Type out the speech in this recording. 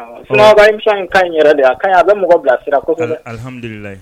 Su in ka in yɛrɛ de a ka a bɛ mɔgɔ bila sira ko kɔfɛ